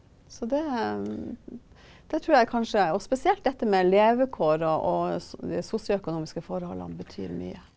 så det det trur jeg kanskje, og spesielt dette med levekår og og de sosioøkonomiske forholda betyr mye.